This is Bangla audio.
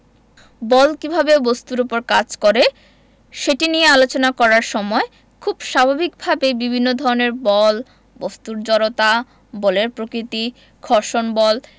বল কীভাবে বস্তুর উপর কাজ করে সেটি নিয়ে আলোচনা করার সময় খুব স্বাভাবিকভাবে বিভিন্ন ধরনের বল বস্তুর জড়তা বলের প্রকৃতি ঘর্ষণ বল